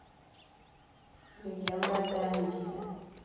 легенда о пианисте